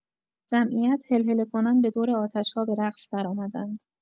جمعیت هلهله‌کنان به دور آتش‌ها به رقص درآمدند.